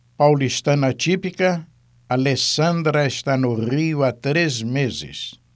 paulistana típica alessandra está no rio há três meses